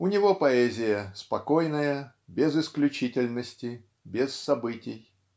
У него - поэзия спокойная, без исключительности, без событий.